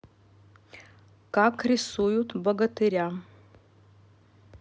как рисуют богатыря